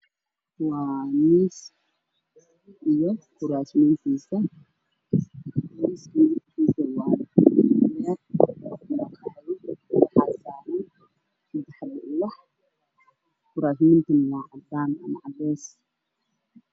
Waa qal dan waxaa yaalo miisaas kuraas kuraasta way cadaan leer ayaa ka ifaayo darbiga wacdaan